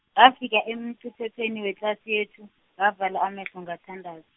ngafika emciphepheni wetlasi yethu, ngavala amehlo ngathandaz-.